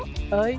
ơi